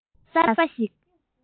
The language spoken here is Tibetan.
བག ཆགས གསར པ ཞིག